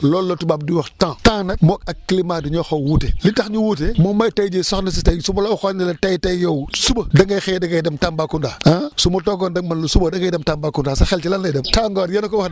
loolu la tubaab di wax temps temps nag moom ak climat dañoo xaw a wuute li tax ñu wuute moom mooy tey jii soxna si tey su ma la waxoon ne la tey tey yow suba da ngay xëy da ngay dem Tambacounda ah su ma toogoon rek ma ne la suba da ngay dem Tambacounda sa xel ci lan lay dem tàngoor yéen a ko wax